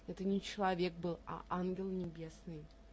это не человек был, а ангел небесный.